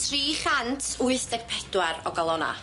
Tri chant wyth deg pedwar o galona.